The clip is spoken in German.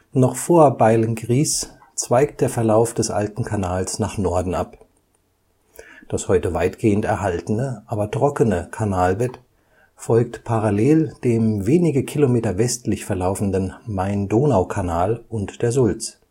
Noch vor Beilngries zweigt der Verlauf des Alten Kanals nach Norden ab. Das heute weitgehend erhaltene, aber trockene Kanalbett folgt parallel dem wenige Kilometer westlich verlaufenden Main-Donau-Kanal und der Sulz